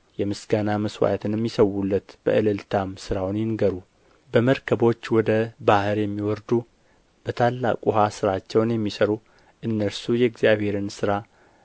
የምስጋና መሥዋዕትንም ይሠውለት በእልልታም ሥራውን ይንገሩ በመርከቦች ወደ ባሕር የሚወርዱ በታላቅ ውኃ ሥራቸውን የሚሠሩ እነርሱ የእግዚአብሔርን ሥራ